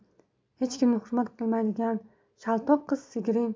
hech kimni hurmat qilmaydigan shaltoq qiz sigiring